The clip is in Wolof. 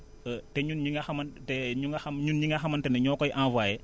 te ñun ñi nga xamante ñu nga xam ñun ñi nga xamante ne ñoo koy envoyé